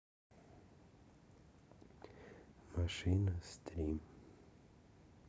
машина стрим